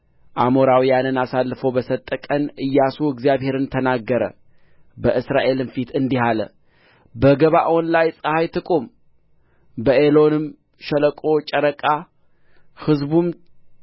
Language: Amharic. አሞራውያንን አሳልፎ በሰጠ ቀን ኢያሱ እግዚአብሔርን ተናገረ በእስራኤልም ፊት እንዲህ አለ በገባዖን ላይ ፀሐይ ትቁም በኤሎንም ሸለቆ ጨረቃ ሕዝቡም